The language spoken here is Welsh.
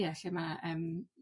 ie lle ma' yym